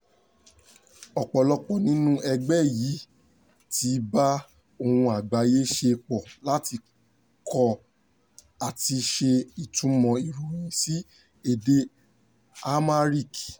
Ọ̀pọ̀lọpọ̀ nínú ẹgbẹ́ yìí ti bá Ohùn Àgbáyé ṣe pọ̀ láti kọ àti ṣe ìtúmọ̀ ìròyìn sí èdè Amharic.